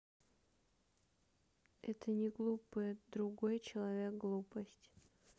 это не глупые другой человек глупость